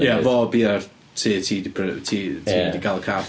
Ia, fo biau'r tŷ ti 'di prynu... ti ti wedi cael y cath...